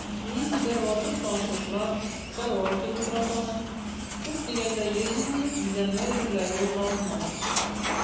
Ниндидер ватык планшетлар, караоке микрофоны(!), күп дигәндә 100 меңлек бизәнү әйберләре урлаганнар...